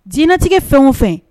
Jinɛinɛtigi fɛn o fɛ